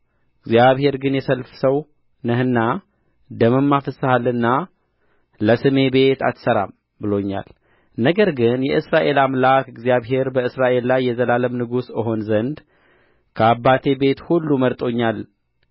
እግዚአብሔር ግን የሰልፍ ሰው ነህና ደምም አፍስሰሃልና ለስሜ ቤት አትሠራም ብሎኛል ነገር ግን የእስራኤል አምላክ እግዚአብሔር በእስራኤል ላይ የዘላለም ንጉሥ እሆን ዘንድ ከአባቴ ቤት ሁሉ መርጦኛል